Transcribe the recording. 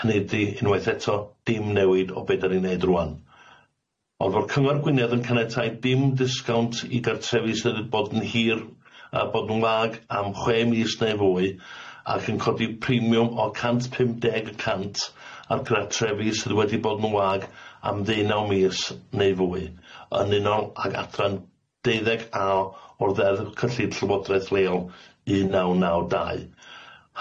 Hynny ydi, unwaith eto, dim newid o be' 'dan ni'n neud rŵan, ond fod cyngor Gwynedd yn caniatáu dim disgawnt i gartrefi sydd yn bod yn hir a bod yn wag am chwe mis neu fwy, ac yn codi premiwm o cant pum deg y cant ar gartrefi sydd wedi bod yn wag am ddeunaw mis neu fwy, yn unol ag adran deuddeg A o'r ddeddf cyllid llywodraeth leol un naw naw dau.